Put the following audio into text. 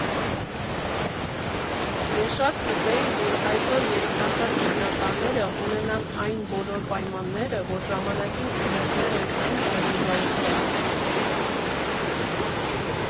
Ես շատ կուզեի, որ այսօր երիտասարդ գիտնականները ունենան այն բոլոր պայմանները, որ ժամանակին ունեցել ենք մենք Չերնիգոլովկայում»։